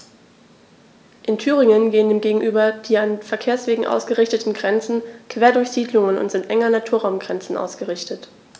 In Thüringen gehen dem gegenüber die an Verkehrswegen ausgerichteten Grenzen quer durch Siedlungen und sind eng an Naturraumgrenzen ausgerichtet.